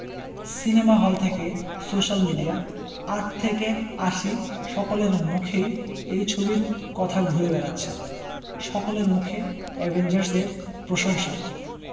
cinema hall থেকে social media আট থেকে আশি সকলের মুখেই এই ছবির কথা ঘুরে বেড়াচ্ছে সকলের মুখে অ্যাভেঞ্জার্স এর প্রশংসা